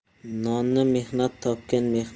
nonni mehnat topgan